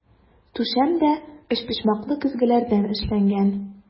Түшәм дә өчпочмаклы көзгеләрдән эшләнгән.